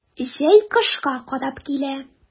Җәй кышка карап килә.